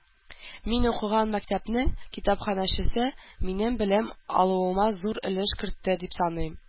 Мин укыган мәктәпнең китапханәчесе минем белем алуыма зур өлеш кертте дип саныйм